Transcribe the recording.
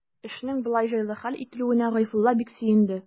Эшнең болай җайлы хәл ителүенә Гайфулла бик сөенде.